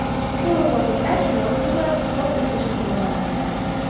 Шул ук вакытта чиновниклар спорт үсеше турында мактана.